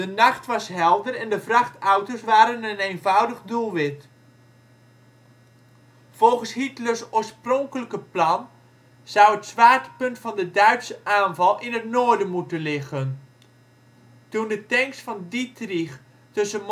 nacht was helder en de vrachtauto 's waren een eenvoudig doelwit. Volgens Hitlers oorspronkelijke plan zou het zwaartepunt van de Duitse aanval in het noorden moeten liggen. Toen de tanks van Dietrich tussen